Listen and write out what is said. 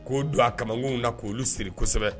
K'o don a kamakunw na k' oluolu siri kosɛbɛ